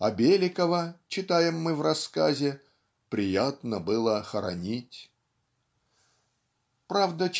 а Беликова читаем мы в рассказе приятно было хоронить. Правда